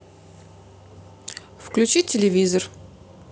выключить телевизор